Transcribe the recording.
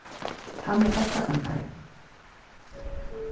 hann er fólkasangari